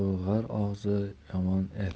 bulg'ar og'zi yomon el